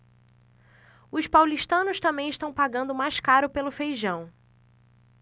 os paulistanos também estão pagando mais caro pelo feijão